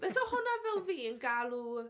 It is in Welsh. Byse hwnna fel fi yn galw...